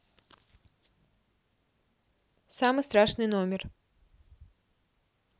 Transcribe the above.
самый страшный номер